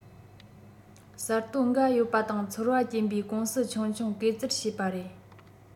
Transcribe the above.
གསར གཏོད འགའ ཡོད པ དང ཚོར བ སྐྱེན པའི ཀུང སི ཆུང ཆུང སྐེ བཙིར བྱེད པ རེད